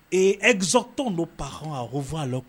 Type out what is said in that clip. Ee ezo tɔnw don pan hɔn h' aa la